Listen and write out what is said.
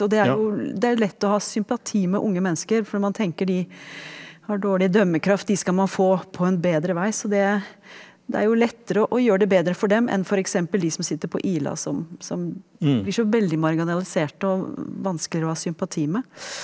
og det er jo det er lett å ha sympati med unge mennesker, for man tenker de har dårlig dømmekraft, de skal man få på en bedre vei, så det det er jo lettere å gjøre det bedre for dem enn f.eks. de som sitter på Ila som som blir så veldig marginaliserte og vanskeligere å ha sympati med.